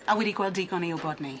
A wi di gweld digon i wbod 'ny.